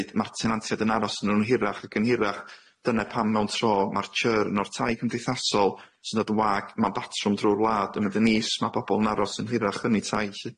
Ma' tenantied yn aros yn y nw'n hirach ac yn hirach. Dyne pam mewn tro ma'r churn o'r tai cymdeithasol sy'n dod yn wag, ma'n batrwm drw'r wlad yn mynd yn is, ma' bobol yn aros yn hirach yn eu tai lly.